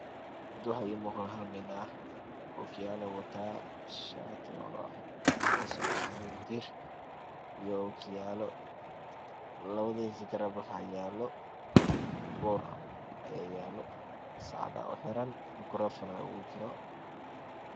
hada waxa imuuqdo Hal Nina okiyalow wata shaati o cades aho girgiir iyo ookiyaalo labadisa garab waxayalo boor aya yalo saxada uxira makarofana ugujiro